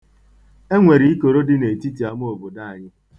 E nwere ikoro dị n'etiti ama obodo anyị.